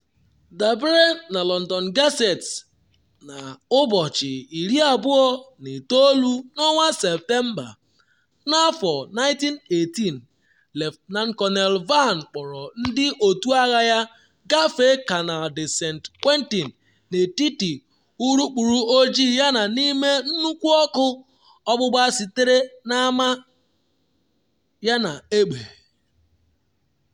Dabere na London Gazette, na 29 Septemba 1918 Lt Col Vann kpọọrọ ndị otu agha ya gafee Canal de Saint-Quentin “n’etiti urukpuru ojii yana n’ime nnukwu ọkụ ọgbụgba sitere na ama yana egbe.”